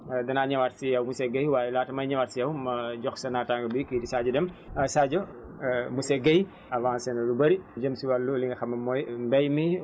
danaa ñëwaat si yow monsieur Guèye waaye laata may ñëwaat si yow ma jox sa naataango bi kii di Sadio Deme Sadio monsieur Guèye avancé na lu bëri jëm si wàllu li nga xam ne mooy mbay mi